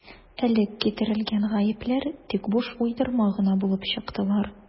Элек китерелгән «гаепләр» тик буш уйдырма гына булып чыктылар.